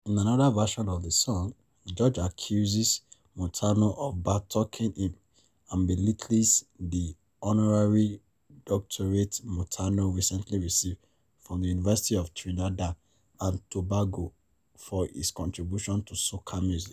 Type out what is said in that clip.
In another version of the song, George accuses Montano of "bad talking" him, and belittles the honorary doctorate Montano recently received from the University of Trinidad and Tobago for his contribution to soca music.